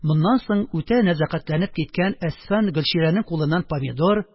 Моннан соң үтә нәзакәтләнеп киткән Әсфан, Гөлчирәнең кулыннан помидор,